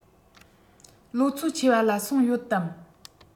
ལོ ཚོད ཆེ བ ལ སོང ཡོད དམ